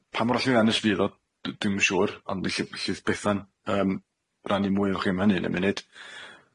Pa mor llwyddiannus fydd o d- dwi'm yn siŵr ond bell- bellith Bethan yym rhannu mwy o chi am hynny yn y munud.